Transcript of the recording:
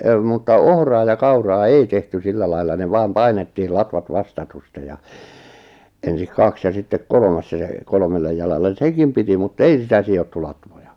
mutta ohraa ja kauraa ei tehty sillä lailla ne vain painettiin latvat vastatusten ja ensin kaksi ja sitten kolmas ja se kolmelle jalalle sekin piti mutta ei sitä sidottu latvoja